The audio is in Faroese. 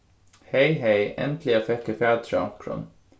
hey hey endiliga fekk eg fatur á onkrum